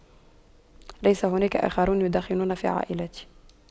ليس هناك آخرون يدخنون في عائلتي